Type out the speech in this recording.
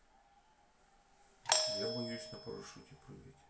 я боюсь на парашюте прыгать